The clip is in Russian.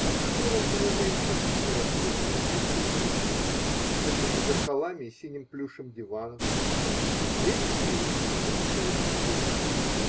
Кафе было в мое время совсем не роскошное, просто уютное, с дымными зеркалами и синим плюшем диванов, но прелесть его заключалась в публике.